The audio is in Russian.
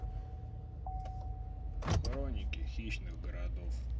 хроники хищных городов